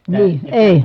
niin ei